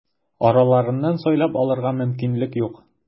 Араларыннан сайлап алырга мөмкинлек юк.